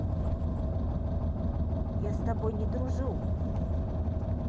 я с тобой не дружу